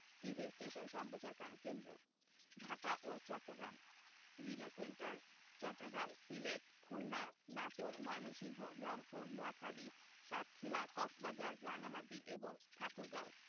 TV station সম্প্রচার কেন্দ্রঃ ঢাকা ও চট্টগ্রাম রিলে সেন্টার চট্টগ্রাম সিলেট খুলনা নাটোর ময়মনসিংহ রংপুর নোয়াখালী সাতক্ষীরা কক্সবাজার রাঙ্গামাটি এবং ঠাকুরগাঁও